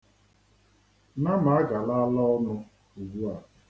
Nama agaala ọnụ ugbua.